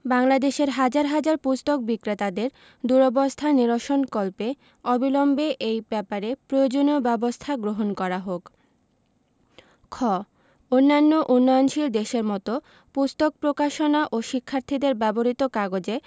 বাংলাদেশের হাজার হাজার পুস্তক বিক্রেতাদের দুরবস্থা নিরসনকল্পে অবিলম্বে এই ব্যাপারে প্রয়োজনীয় ব্যাবস্থা গ্রহণ করা হোক খ অন্যান্য উন্নয়নশীল দেশের মত পুস্তক প্রকাশনা ও শিক্ষার্থীদের ব্যবহৃত কাগজে